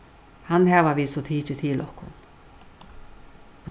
hann hava vit so tikið til okkum